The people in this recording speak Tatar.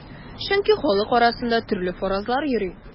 Чөнки халык арасында төрле фаразлар йөри.